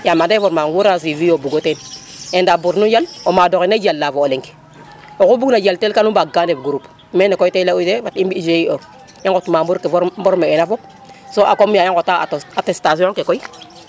yam anda ye formation fu refe na suivi yo o bugo teen e nda pour nu njal o mado xe ne jala fo o leng oxu bug na jal teen kan mbaag ka ndef groupe mene koy te ley u ye fat i mbi Gie i ŋot membre ke for mborme ene fop so akom ya i ŋota attes attestation ke koy